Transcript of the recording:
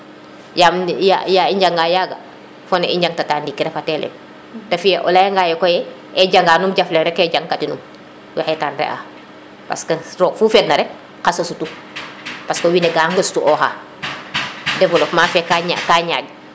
yam ya i njaga yaga fone i njang tata ndiiki refe leŋte fiye o leya ngaye koye e jega num jaf leŋ rek e jaŋka tinum waxey tarde a parce roog fu feed na rek qasa sutu parce que win we ga ŋëstu oxa développement fe ka ñaƴ